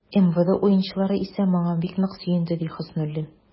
МВД уенчылары исә, моңа бик нык сөенде, ди Хөснуллин.